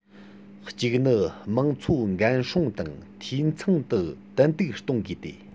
གཅིག ནི དམངས འཚོ འགན སྲུང དང འཐུས ཚང དུ ཏན ཏིག གཏོང དགོས ཏེ